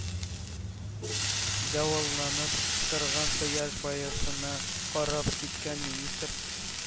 Давылланып торган кояш баешына карап киткән министр